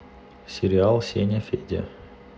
сериал сеняфедя